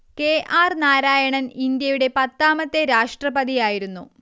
K. R. Narayanan ഇന്ത്യയുടെ പത്താമത്തെ രാഷ്ട്രപതിയായിരുന്നു